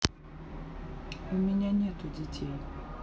у меня нету детей